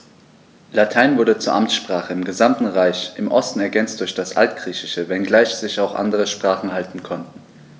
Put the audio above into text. Latein wurde zur Amtssprache im gesamten Reich (im Osten ergänzt durch das Altgriechische), wenngleich sich auch andere Sprachen halten konnten.